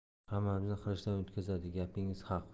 hammamizni qilichdan o'tkazadi gapingiz haq